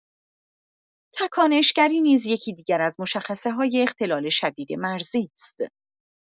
تکانشگری نیز یکی دیگر از مشخصه‌های اختلال شدید مرزی است.